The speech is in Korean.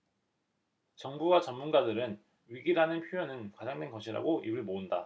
정부와 전문가들은 위기라는 표현은 과장된 것이라고 입을 모은다